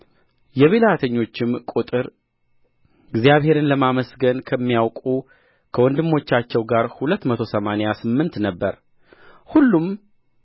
የብልሃተኞቹም ቍጥር እግዚአብሔርን ለማመስገን ከሚያውቁ ከወንድሞቻቸው ጋር ሁለት መቶ ሰማንያ ስምንት ነበረ ሁሉም